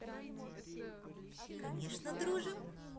конечно дружим